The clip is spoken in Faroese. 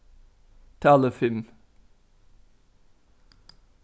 talið fimm